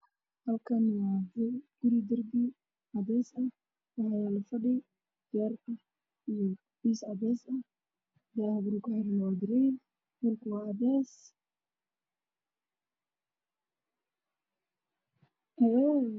Halkan waa guri darbi cades ah waxyalo fadhi baar ah io miis cades ah daha guriga kuxiran waa garey dhulka waa cades